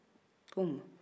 a ko mun